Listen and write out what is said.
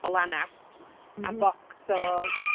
o lanast... M-hm. A bocs o